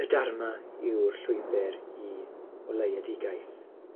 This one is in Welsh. Y Dharma yw'r llwybr i oleuedigaeth.